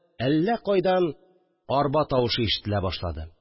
Әллә кайдан арба тавышы ишетелә башлады